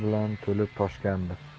bilan to'lib toshgandi